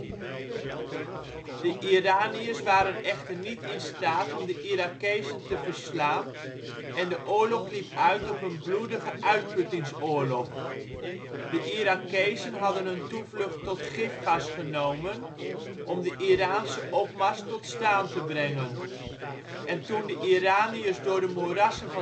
Iraniërs waren echter niet in staat om de Irakezen te verslaan en de oorlog liep uit op een bloedige uitputtingsoorlog. De Irakezen hadden hun toevlucht tot gifgas genomen om de Iraanse opmars tot staan te brengen. En toen de Iraniërs door de moerassen